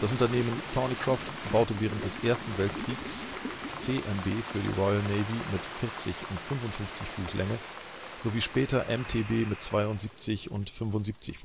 Unternehmen Thornycroft baute während des Ersten Weltkrieg CMB für die Royal Navy mit 40 und 55 Fuß (ft) Länge, sowie später MTB mit 72 und 75